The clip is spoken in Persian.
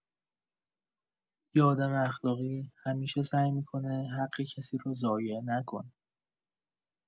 یه آدم اخلاقی همیشه سعی می‌کنه حق کسی رو ضایع نکنه.